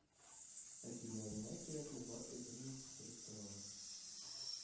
Әтиләренә кирәкле бар әйберне китереп торалар